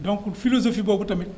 donc philosophie boobu tamit